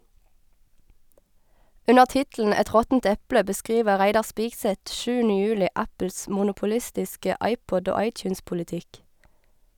Under tittelen "Et råttent eple" beskriver Reidar Spigseth 7. juli Apples monopolistiske iPod- og iTunes-politikk.